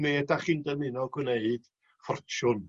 Neu 'dach chi'n dymuno gwneu ffortiwn